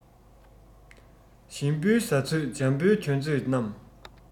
ཞིམ པོའི ཟ ཚོད འཇམ པོའི གྱོན ཚོད རྣམས